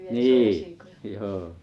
niin joo